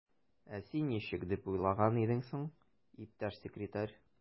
Ә син ничек дип уйлаган идең соң, иптәш секретарь?